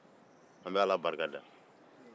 an bɛ ala barikada